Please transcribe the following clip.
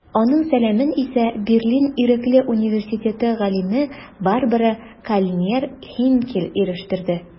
Аның сәламен исә Берлин Ирекле университеты галиме Барбара Кельнер-Хейнкель ирештерде.